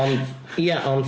Ond ie ond...